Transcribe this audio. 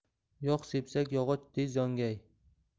yog' sepsak yog'och tez yongay